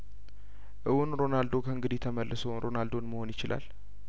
እውን ሮናልዶ ከእንግዲህ ተመልሶ ሮናልዶን መሆን ይችላል